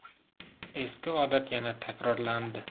eski odat yana takrorlandi